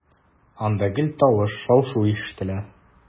Анда гел тавыш, шау-шу ишетелә.